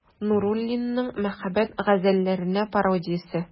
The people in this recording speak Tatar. Нуруллинның «Мәхәббәт газәлләренә пародия»се.